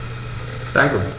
Danke.